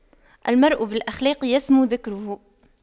المرء بالأخلاق يسمو ذكره